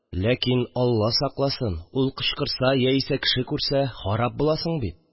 Ләкин, Алла сакласын, ул кычкырса яисә кеше күрсә, харап буласың бит